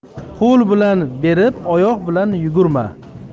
qo'l bilan berib oyoq bilan yugurma